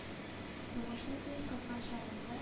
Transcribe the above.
Сугышның иң кызган чагында